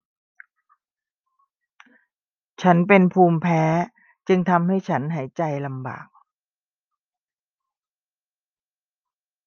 ฉันเป็นภูมิแพ้จึงทำให้ฉันหายใจลำบาก